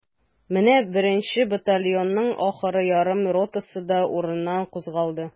Менә беренче батальонның ахыргы ярым ротасы да урыныннан кузгалды.